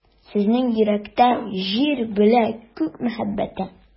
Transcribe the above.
Сезнең йөрәктә — Җир белә Күк мәхәббәте.